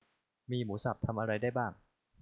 มีหมูสับทำอะไรได้บ้าง